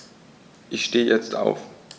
Ich stehe jetzt auf.